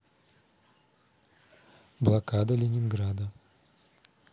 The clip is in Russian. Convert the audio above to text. блокада ленинграда